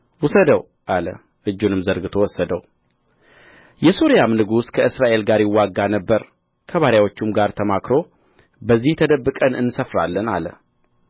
ውሰደው አለ እጁንም ዘርግቶ ወሰደው የሶርያም ንጉሥ ከእስራኤል ጋር ይዋጋ ነበር ከባሪያዎቹም ጋር ተማክሮ በዚህ ተደብቀን እንሰፍራለን አለ